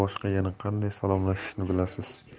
boshqa yana qanday salomlashishni bilasiz